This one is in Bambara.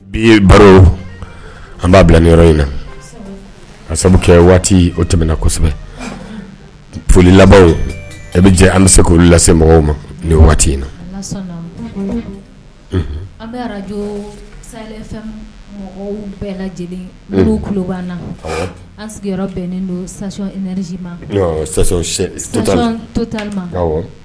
Bi ye baro an b'a bila ni yɔrɔ in na a sabu kɛ waati o tɛmɛna kosɛbɛ foli laban e bɛ jɛ an bɛ se k' lase mɔgɔw ma nin waati in na